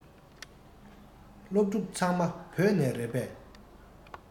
སློབ ཕྲུག ཚང མ བོད ནས རེད པས